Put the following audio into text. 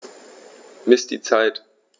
Miss die Zeit.